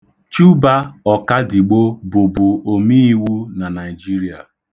Chuba Ọkadigbo bụbu omiiwu na Naịjiria.